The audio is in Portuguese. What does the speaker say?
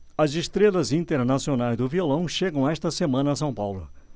as estrelas internacionais do violão chegam esta semana a são paulo